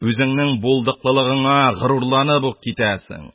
Үзеңнең булдыклылыгыңа горурланып ук китәсен,